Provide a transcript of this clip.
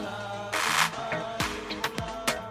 San